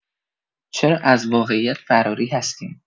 چرا از واقعیت فراری هستین؟